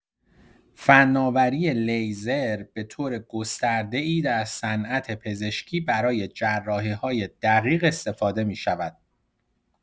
فناوری لیزر به‌طور گسترده‌ای در صنعت پزشکی برای جراحی‌های دقیق استفاده می‌شود.